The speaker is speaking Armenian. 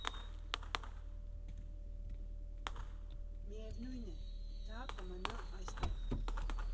Միևնույն է, դա կմնա այստեղ։